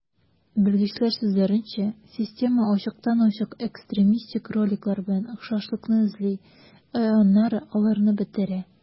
Белгечләр сүзләренчә, система ачыктан-ачык экстремистик роликлар белән охшашлыкны эзли, ә аннары аларны бетерә.